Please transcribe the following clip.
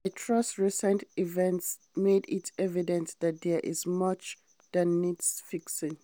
I trust recent events made it evident that there is much that needs fixing.